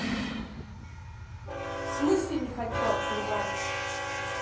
в смысле не хочу открывай